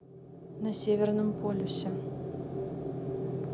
на северном полюсе